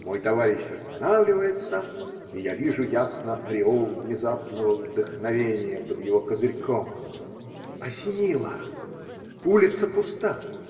Мой товарищ останавливается, и я вижу ясно ореол внезапного вдохновения под его козырьком. Осенило! Улица пуста.